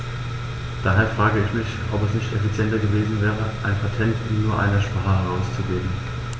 Daher frage ich mich, ob es nicht effizienter gewesen wäre, ein Patent in nur einer Sprache herauszugeben.